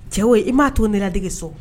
Cɛ i m'a to nedege so